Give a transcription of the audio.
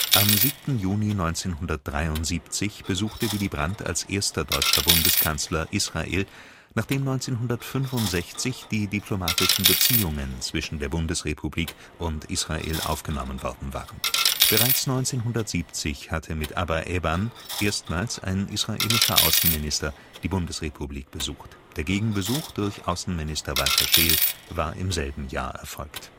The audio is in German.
Am 7. Juni 1973 besuchte Willy Brandt als erster deutscher Bundeskanzler Israel, nachdem 1965 die diplomatischen Beziehungen zwischen der Bundesrepublik und Israel aufgenommen worden waren. Bereits 1970 hatte mit Abba Eban erstmals ein israelischer Außenminister die Bundesrepublik besucht, der Gegenbesuch durch Außenminister Walter Scheel war im selben Jahr erfolgt